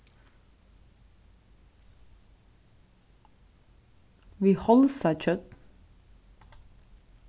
við hálsatjørn